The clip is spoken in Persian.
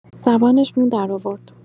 زبانش مو درآورد